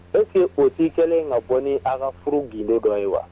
E que o tɛ kɛlen ka bɔ ni an ka furu gnen dɔ ye wa